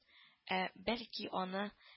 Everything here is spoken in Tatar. Ә бәлки аны